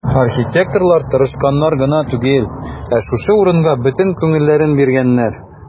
Архитекторлар тырышканнар гына түгел, ә шушы урынга бөтен күңелләрен биргәннәр.